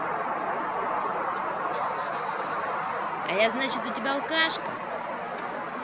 а я значит у тебя алкашка